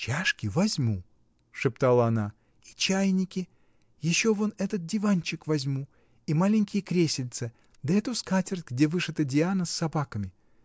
— Чашки возьму, — шептала она, — и чайники, еще вон этот диванчик возьму и маленькие кресельца, да эту скатерть, где вышита Диана с собаками.